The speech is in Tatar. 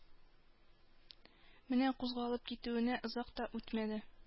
Менә кузгалып китүенә озак та үтмәде